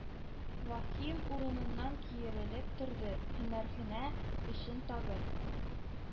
Ваһим урыныннан киерелеп торды, һөнәрханә эчен тагын